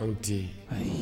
Anw tɛ